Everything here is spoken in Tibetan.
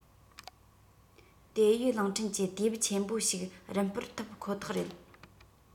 ཏེའོ ཡུས གླིང ཕྲན གྱི དུས བབ ཆེན པོ ཞིག རིམ སྤོར ཐུབ ཁོ ཐག རེད